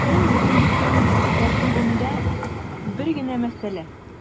Безнең бүгенге көн тәртибендә бер генә мәсьәлә: